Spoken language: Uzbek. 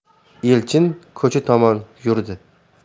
elchin ko'cha tomon yurdi